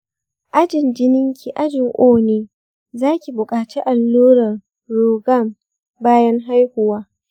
ajin jininki ajin o ne, zaki buƙaci allurar rhogam bayan haihuwa.